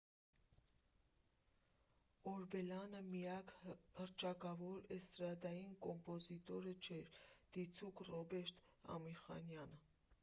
Օրբելյանը միակ հռչակավոր էստրադային կոմպոզիտորը չէր, դիցուք՝ Ռոբերտ Ամիրխանյանը։